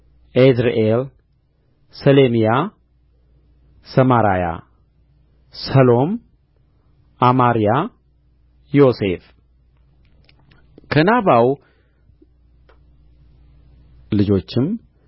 ኤዝርኤል ሰሌምያ ሰማራያ ሰሎም አማርያ ዮሴፍ ከናባው ልጆችም